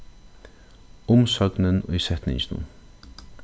umsøgnin í setninginum